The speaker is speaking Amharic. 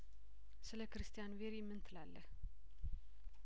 ስለ ክሪስትያን ቪዬሪምን ትላለህ